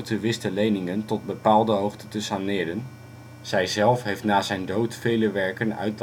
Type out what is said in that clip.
wist de leningen tot bepaalde hoogte te saneren; zijzelf heeft na zijn dood vele werken uit